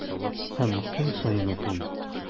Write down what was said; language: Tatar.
Һәм көн саен укыйм.